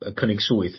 y cynnig swydd